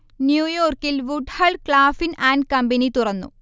ന്യൂയോർക്കിൽ Woodhull, Claflin and company തുറന്നു